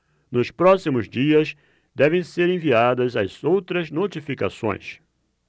nos próximos dias devem ser enviadas as outras notificações